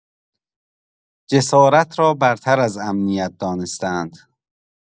جسارت را برتر از امنیت دانسته‌اند.